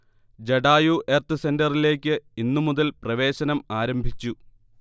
Jatayu earth's സെന്ററിലേക്ക് ഇന്ന് മുതൽ പ്രവേശനം ആരംഭിച്ചു